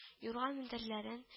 Юрган-мендәрләрен